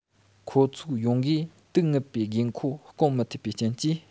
ཁོ ཚོའི ཡོང སྒོས དུག རྔུབ པའི དགོས མཁོ སྐོང མི ཐུབ པའི རྐྱེན གྱིས